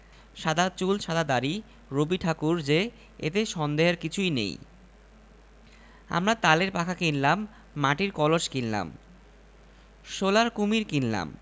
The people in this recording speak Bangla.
সাদা চুল সাদা দাড়ি রবিঠাকুর যে এতে সন্দেহের কিছুই নেই আমরা তালের পাখা কিনলাম মার্টির কলস কিনলাম সোলার কুমীর কিনলীম